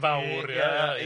...fawr ia ia ia.